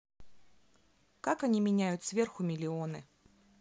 как они меняют сверху миллионы